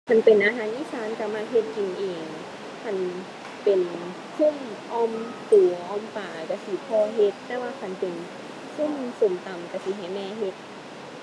คันเป็นอาหารอีสานก็มักเฮ็ดกินเอง คันเป็นซุมอ่อมปู อ่อมปลาจั่งซี้พ่อเฮ็ด แต่ว่าคันเป็นซุมส้มตำก็สิให้แม่เฮ็ด